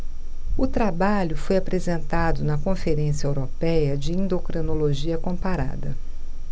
o trabalho foi apresentado na conferência européia de endocrinologia comparada